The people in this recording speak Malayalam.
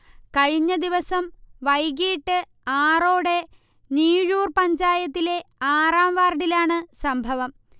കഴിഞ്ഞദിവസം വൈകീട്ട് ആറോടെ ഞീഴൂർ പഞ്ചായത്തിലെ ആറാം വാർഡിലാണ് സംഭവം